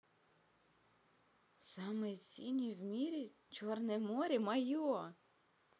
самое синее в мире черное море мое